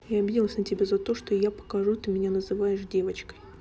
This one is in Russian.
я обиделась на тебя за то что я покажу ты меня называешь девочкой